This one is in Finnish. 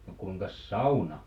no kuinkas sauna